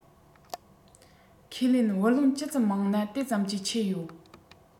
ཁས ལེན བུ ལོན ཇི ཙམ མང ན དེ ཙམ གྱིས ཆད ཡོད